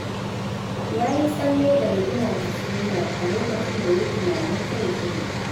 Yayi tsalle daga ginin hasumiyar a lokacin da yayi tunanin zai zube.